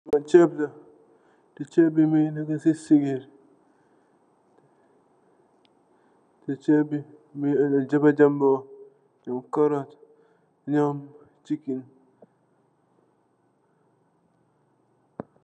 Cheep la cheep bangi neka si sujer ta cheep bi munge ame jaba jambur si kawam nyum chicken